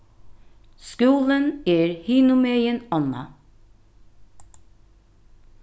skúlin er hinumegin ánna